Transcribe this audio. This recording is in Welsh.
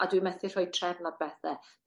A dwi methu rhoi trefn ar bethe.